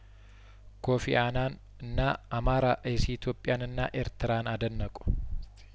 ኮፊ አናን እና አማራ ኤሲ ኢትዮጵያንና ኤርትራን አደነቁ